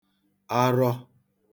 arọ